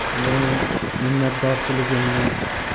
meni minnatdorchiligimni chin